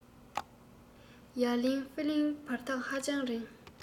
ཡ གླིང ཧྥེ གླིང བར ཐག ཧ ཅང རིང